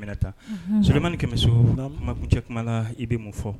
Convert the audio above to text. S sodimani ni kɛmɛ makun cɛ kuma la i bɛ mun fɔ